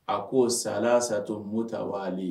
A ko sa satɔ mo ta wali